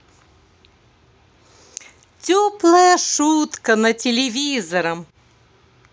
теплая шутка на телевизором